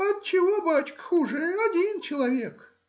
— Отчего, бачка, хуже? — один человек.